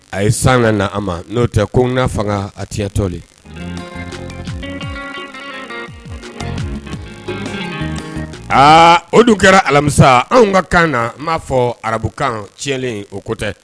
A ye san na na an ma n'o tɛ ko ŋa faŋaa a tiɲɛ tɔ le aa o dun kɛra alamisa anw ka kan na m'a fɔɔ Arabe kan tiɲɛlen o ko tɛ